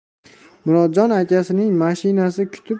murodjon akasining mashinasi kutib